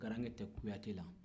garange tɛ kuyatɛ la